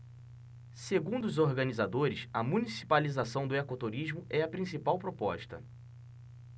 segundo os organizadores a municipalização do ecoturismo é a principal proposta